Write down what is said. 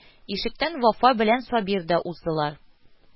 Ишектән Вафа белән Сабир да уздылар